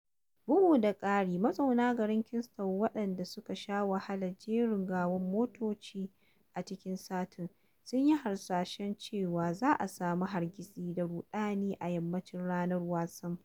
Bugu da ƙari, mazauna garin Kingston, waɗanda suka sha wahalar jerin gwanon motoci a cikin satin, sun yi hasashen cewa za a sami hargitsi da ruɗani a yammacin ranar wasan.